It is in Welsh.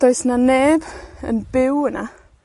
Does 'na neb yn byw yna.